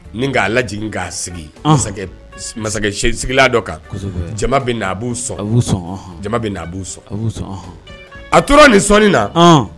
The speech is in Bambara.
Ni k'a lajigin k'a sigin masakɛsigilan dɔ kan, jama bɛ na, a b'u son, jama bɛ a b'u son. a tora nin sɔnni na, ɔnhɔn